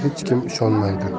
hech kim ishonmaydi